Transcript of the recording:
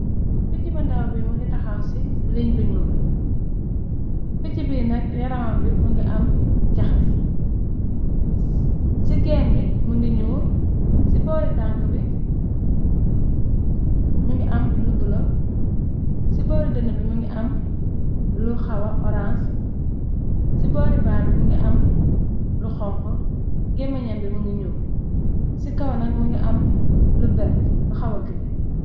Picc bu ndaw bi mëngi taxaw ci liñ bi ñuu. Picc bi nak yaramam bi mëngi am jaxas, ci géen bi më ngi ñuul ci boori tank bi mëngi am lu bulo ci boori dën bi mëngi am lu xawa orange ci boori baar bi mëngi am lu xonk géme ñam bi mëngi ñuuma ci kaw nag mëngi am vert lu xawa green.